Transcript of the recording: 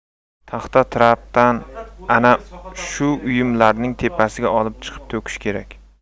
taxta trapdan ana shu uyumlarning tepasiga olib chiqib to'kish kerak